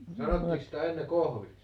sanottiinkos sitä ennen kohviksi